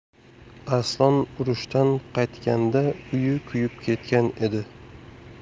arslon urushdan qaytganda uyi kuyib ketgan edi